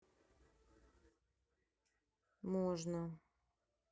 можно